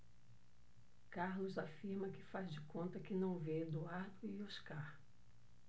carlos afirma que faz de conta que não vê eduardo e oscar